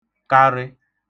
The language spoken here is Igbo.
karị